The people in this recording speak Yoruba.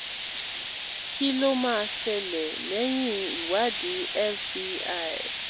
Kí ló máa ṣẹ̀lẹ lẹ́yìn ìwádìí FBI?